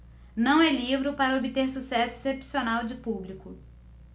não é livro para obter sucesso excepcional de público